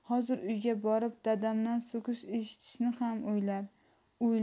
hozir uyga borib dadamdan so'kish eshitishni ham o'ylar